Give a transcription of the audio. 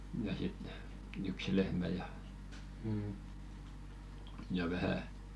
ja sitten yksi lehmä ja ja vähän